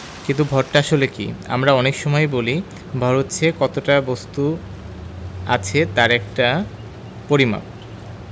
কিন্তু ভরটা আসলে কী আমরা অনেক সময়েই বলি ভর হচ্ছে কতটা বস্তু আছে তার একটা পরিমাপ